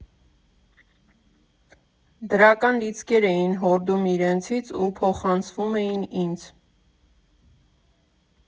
Դրական լիցքեր էին հորդում իրենցից ու փոխանցվում էին ինձ։